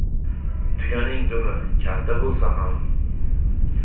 tuyaning dumi kalta bo'lsa